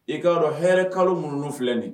I k'a dɔn hɛrɛ kalo minnuunu filɛ nin